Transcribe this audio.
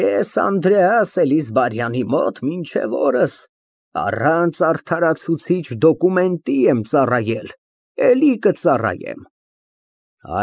Ես Անդրեաս Էլիզբարյանի մոտ մինչև օրս առանց արդարացուցիչ դոկումենտի եմ ծառայել, էլի կծառայեմ։